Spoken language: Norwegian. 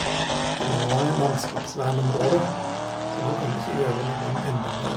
Raet landskapsvernområde, så nå kan vi ikke gjøre noen endringer der.